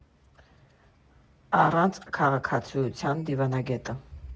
Առանց քաղաքացիության դիվանագետը։